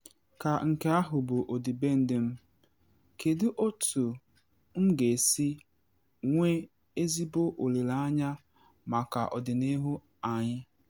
Ka nke ahụ bụ ọdịbendị m, kedu otu m ga-esi nwee ezigbo olile anya maka ọdịnihu anyị?”